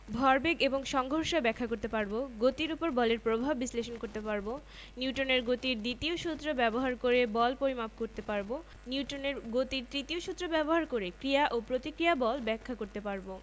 সে যখন মাটিতে পা দিয়েছে তখন নিচের অংশ থেমে গিয়েছে ওপরের অংশ গতি জড়তার কারণে তখনো ছুটছে তাই সে হুমড়ি খেয়ে পড়ছে